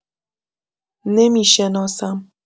نمی‌شناسم